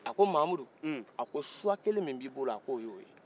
a ko mamudu a ko choix kelen min b'i bolo o y'o ye